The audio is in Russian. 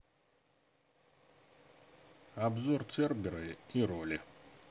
обзор цербера и роли